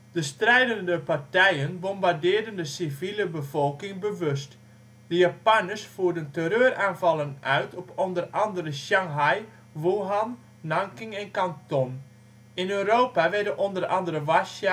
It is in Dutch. De strijdende partijen bombardeerden de civiele bevolking bewust. De Japanners voerden terreuraanvallen uit op onder andere Shanghai, Wuhan, Nanking en Kanton. In Europa werden onder andere Warschau